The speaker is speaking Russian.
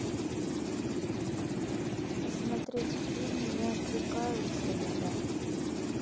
посмотреть фильм не отрекаются любя